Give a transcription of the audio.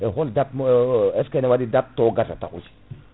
e hol date est ce que ne waɗi date to gasata aussi